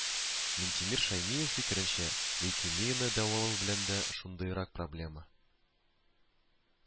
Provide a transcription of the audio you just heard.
Минтимер Шәймиев фикеренчә, лейкемияне дәвалау белән дә шундыйрак проблема